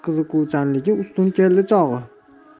qiziquvchanligi ustun keldi chog'i